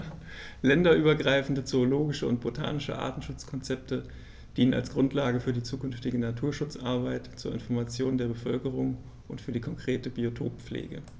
Länderübergreifende zoologische und botanische Artenschutzkonzepte dienen als Grundlage für die zukünftige Naturschutzarbeit, zur Information der Bevölkerung und für die konkrete Biotoppflege.